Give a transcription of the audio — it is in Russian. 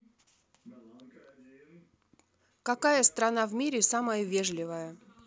какая страна в мире самая вежливая